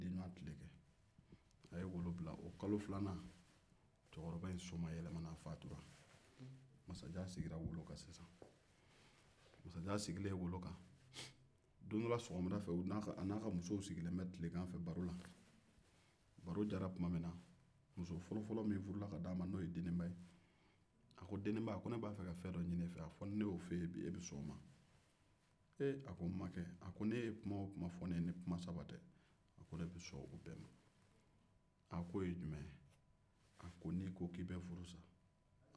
don dɔ la sɔgɔmada fɛ u n'a ka ani a ka musow sigilen bɛ tilegan fɛ baro la baro jara tuma min na muso fɔlɔ fɔlɔ min furula ka di a ma n'o ye deninba ye a ko deninba ko ne ba fɛ ka fɛn dɔ ɲini e fɛ a fɔ ni ne ye o fɔ e ye e bɛ sɔn o ma eee a ko n' makɛ a ko ni e ye kuma o kuma fɔ ne ye ni kuma saba tɛ ko ne bɛ sɔn o bɛɛ ma a ko o ye jumɛn ye a ko ni i ko k'i bɛ n' furu sa